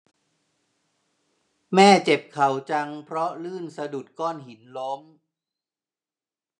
แม่เจ็บเข่าจังเพราะลื่นสะดุดก้อนหินล้ม